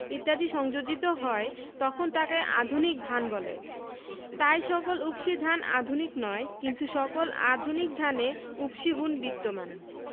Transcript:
ইত্যাদি সংযোজিত হয় তখন তাকে আধুনিক ধান বলে তাই সকল উফশী ধান আধুনিক নয় কিন্তু সকল আধুনিক ধানে উফশী গুণ বিদ্যমান